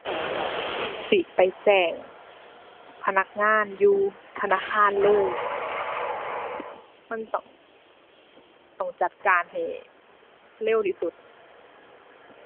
สิไปแจ้งพนักงานอยู่ธนาคารเลย มันต้อง ต้องจัดการให้เร็วที่สุด